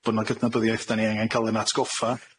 bod 'na gydnabyddiaeth 'dan ni angen ca'l 'yn atgoffa,